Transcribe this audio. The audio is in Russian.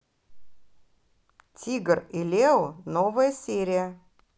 тиг и лео новая серия